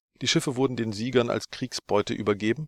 SMS